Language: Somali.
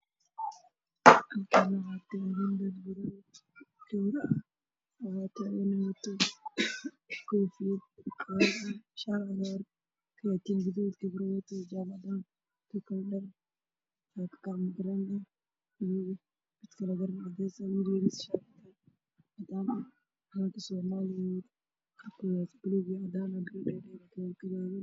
Waa meel banaan waxaa iskugu yimaada dad badan oo naago waxa iyo niman waxay